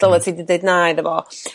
dyla ti 'di deud na iddo fo